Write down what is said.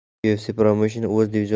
ufc promousheni o'z divizionlarining